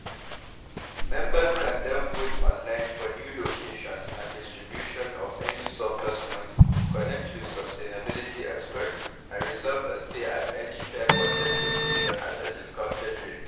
Members can then vote online for new locations and distribution of any surplus money, connect with sustainability experts, and reserve a stay at any TribeWanted location at a discounted rate.